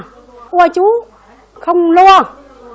o chú không lo